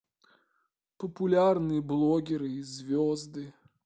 популярные блогеры и звезды